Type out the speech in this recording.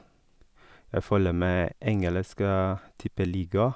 Jeg følger med engelsk tippeliga.